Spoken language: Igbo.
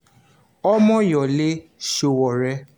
Omoyole Sowore